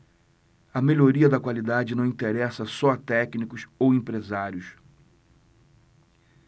a melhoria da qualidade não interessa só a técnicos ou empresários